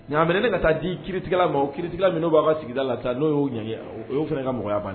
Ɲa amina ne ka taa di kila maaw o kiti min' b'a ka sigi la tan n'o yo ɲɛ o y' fana ka mɔgɔya ban